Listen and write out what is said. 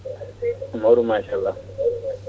mawɗum machallah